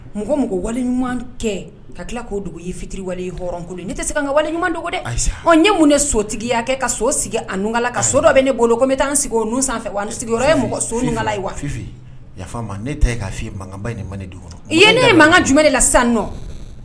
Mɔgɔ mɔgɔ wali ɲuman kɛ ka tila k'o dugu i fitiri walekolon ne tɛ se ka wale ɲuman dɔgɔ ye mun de sotigiya kɛ ka so sigi ani ka so dɔ bɛ ne bolo ko n bɛ taa n sigi o sanfɛ wa sigiyɔrɔ ye mɔgɔ so yafa ne ka fɔ ni man ne i ye ne ye makan jumɛn de la sisan n nɔ